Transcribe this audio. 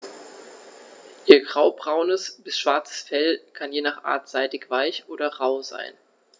Ihr graubraunes bis schwarzes Fell kann je nach Art seidig-weich oder rau sein.